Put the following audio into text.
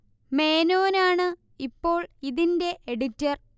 മേനോനാണ് ഇപ്പോൾ ഇതിന്റെ എഡിറ്റർ